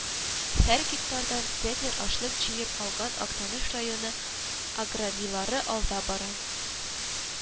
Һәр гектардан центнер ашлык җыеп алган Актаныш районы аграрийлары алда бара